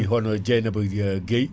woni hono Dieynaba Gueye